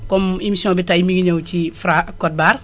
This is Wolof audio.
comme émission bi tay mi ngi ñëw ci Fra ak code barre